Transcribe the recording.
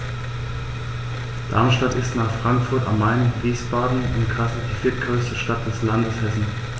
Darmstadt ist nach Frankfurt am Main, Wiesbaden und Kassel die viertgrößte Stadt des Landes Hessen